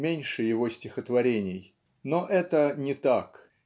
меньше его стихотворений. Но это не так.